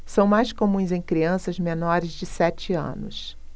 são mais comuns em crianças menores de sete anos